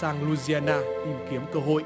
sang lu di a na tìm kiếm cơ hội